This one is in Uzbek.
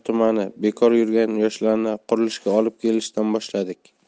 tumanida bekor yurgan yoshlarni qurilishga olib kelishdan boshladik